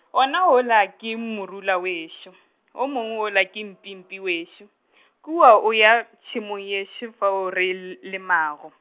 wona wola ke morula wešo, wo mongwe wola ke mpimpi wešo , kua o ya tšhemong yešo fao re l- lemago.